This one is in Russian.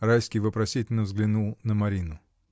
Райский вопросительно взглянул на Марину.